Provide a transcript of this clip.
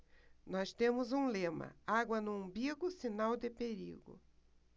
nós temos um lema água no umbigo sinal de perigo